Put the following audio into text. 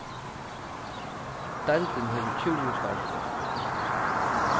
deildin hevur tjúgu starvsfólk